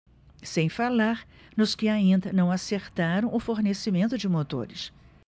sem falar nos que ainda não acertaram o fornecimento de motores